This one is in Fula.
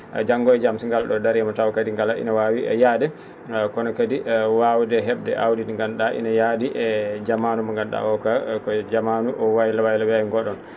janngo e jam so ngal ?o dariima taw kadi ngala ina waawi yahde kono kadi waawde he?de aawdi ndi nganndu?aa ina yaadi jamaanu mo nganndu?aa o ka ko jamaanu waylo waylo weeyo ngo ?on